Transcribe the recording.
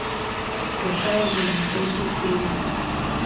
простая жизнь третья серия